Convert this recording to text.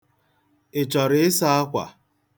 Ị chọrọ ịsa akwa?